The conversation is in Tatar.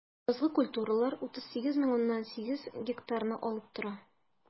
Язгы культуралар 38,8 мең гектарны алып тора.